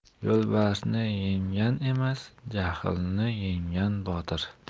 yo'lbarsni yenggan emas jahlni yenggan botir